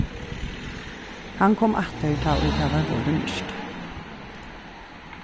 hann kom aftur tá ið tað var vorðið myrkt